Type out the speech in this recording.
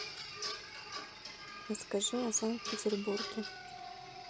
расскажи о санкт петербурге